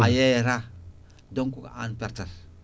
a yeeyata donc ko an pertata